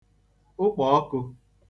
ụkpọ̀ọkụ̄